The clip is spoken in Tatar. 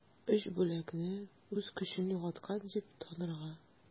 3 бүлекне үз көчен югалткан дип танырга.